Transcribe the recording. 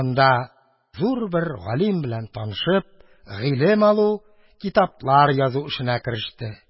Анда, зур бер галим белән танышып, гыйлем алу, китаплар язу эшенә кереште.